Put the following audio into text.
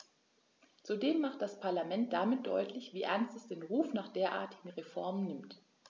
Zudem macht das Parlament damit deutlich, wie ernst es den Ruf nach derartigen Reformen nimmt.